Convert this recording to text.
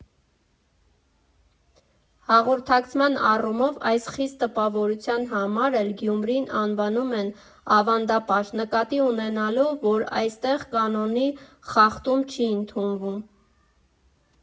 Հաղորդակցման առումով այս խիստ տպավորության համար էլ Գյումրին անվանում են ավանդապաշտ՝ նկատի ունենալով, որ այստեղ կանոնի խախտում չի ընդունվում։